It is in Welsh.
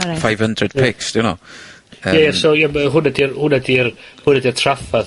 Oreit. Five undred pics 'di onno. Yym. Ie so ie ma' hwn ydi'r 'wn ydi'r hwn ydi'r traffarth